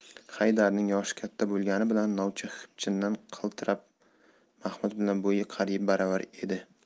haydarning yoshi katta bo'lgani bilan novcha xipchinday qiltiriq mahmud bilan bo'yi qariyb baravar edi